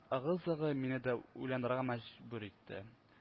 Ыгы-зыгы мине дә уйланырга мәҗбүр итте